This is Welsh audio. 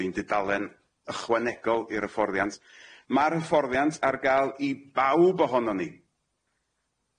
Dwi'n dudalen ychwanegol i'r hyfforddiant ma'r hyfforddiant ar ga'l i bawb ohonon ni.